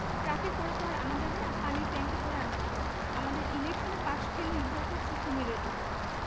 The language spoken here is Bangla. ট্রাকে করে তো আর আনা যাবে না পানির ট্যাংকে করে আনতে হবে আমাদের ইলেকশনে পাশ ফেল নির্ভর করছে কুমীরের উপর